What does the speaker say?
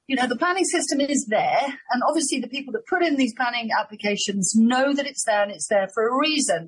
You know the planning system is there, and obviously the people that put in these planning applications know that it's there and it's there for a reason.